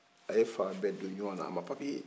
a ye fanbɛ don ŋɔngɔnan a ma papiye ye